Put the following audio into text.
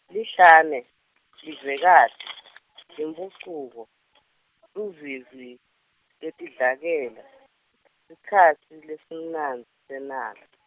Lihlane, Livekati, Imphucuko, Luvivi lwetidlakela, sikhatsi lesimnandzi senala.